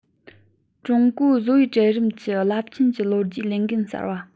ཀྲུང གོའི བཟོ པའི གྲལ རིམ གྱི རླབས ཆེན གྱི ལོ རྒྱུས ལས འགན གསར པ